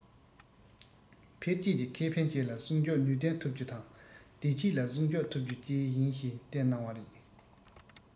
འཕེལ རྒྱས ཀྱི ཁེ ཕན བཅས ལ སྲུང སྐྱོབ ནུས ལྡན ཐུབ རྒྱུ དང བདེ སྐྱིད ལ སྲུང སྐྱོབ ཐུབ རྒྱུ བཅས ཡིན ཞེས བསྟན གནང བ རེད